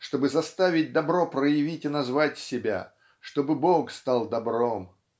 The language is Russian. чтобы заставить Добро проявить и назвать себя чтобы Бог стал Добром.